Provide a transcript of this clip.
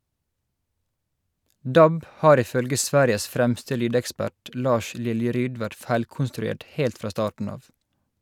DAB har ifølge Sveriges fremste lydekspert Lars Liljeryd vært feilkonstruert helt fra starten av.